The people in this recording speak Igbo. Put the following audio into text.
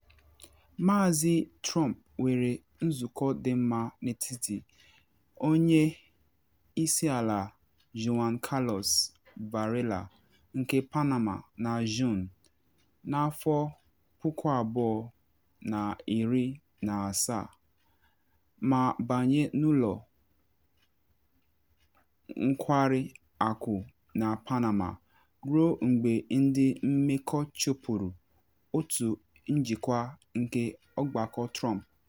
Maazị Trump nwere nzụkọ dị mma n’etiti Onye Isi Ala Juan Carlos Varela nke Panama na Juun 2017 ma banye n’ụlọ nkwari akụ na Panama ruo mgbe ndị mmekọ chụpụrụ otu njikwa nke Ọgbakọ Trump.